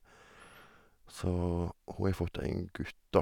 Så hun har fått en gutt, da.